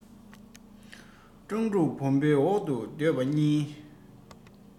སྤྲང ཕྲུག བེམ པོའི འོག ཏུ སྡོད པ གཉིས